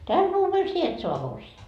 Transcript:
tällä vuodella sinä et saa morsianta